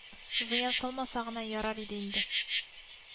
Зыян салмаса гына ярар иде инде